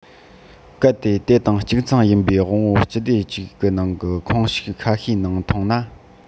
གལ ཏེ དེ དང གཅིག མཚུངས ཡིན པའི དབང པོ སྤྱི སྡེ གཅིག གི ནང གི ཁོངས ཞུགས ཁ ཤས ནང མཐོང ན